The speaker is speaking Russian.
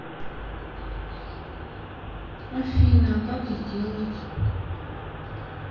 афина а как сделать